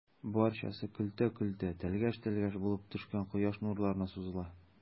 Барчасы көлтә-көлтә, тәлгәш-тәлгәш булып төшкән кояш нурларына сузыла.